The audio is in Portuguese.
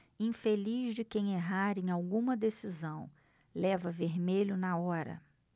infeliz de quem errar em alguma decisão leva vermelho na hora